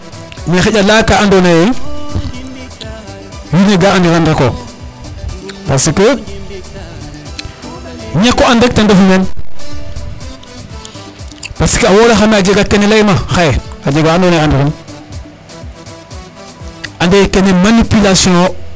me xaƴa leya ka ando naye wiin ka andiran reko parce que ñako an rek ten refu men parce: fra que a woraxame a jega kene leyma xaye a jega wa ando naye andi ran ande kene manipulation yo